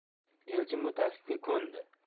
elchin bu taklifga ko'ndi